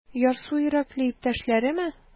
Ярсу йөрәкле иптәшләреме?